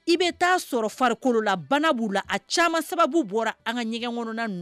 I bɛ taa sɔrɔ farikolo la bana b' la a caman sababu bɔra an ka ɲɛgɛn kɔnɔ